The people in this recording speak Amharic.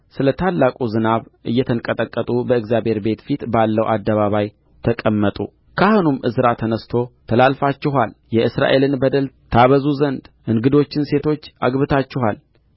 ስለ ታላቁ ዝናብ እየተንቀጠቀጡ በእግዚአብሔር ቤት ፊት ባለው አደባባይ ተቀመጡ ካህኑም ዕዝራ ተነሥቶ ተላልፋችኋል የእስራኤልን በደል ታበዙ ዘንድ እንግዶችን ሴቶች አግብታችኋል